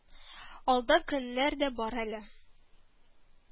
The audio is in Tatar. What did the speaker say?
Алда көннәр дә бар әле